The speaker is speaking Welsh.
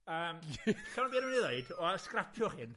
Yym, i ddeud, o, scrapiwch hyn.